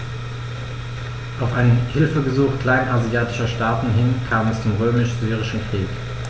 Auf ein Hilfegesuch kleinasiatischer Staaten hin kam es zum Römisch-Syrischen Krieg.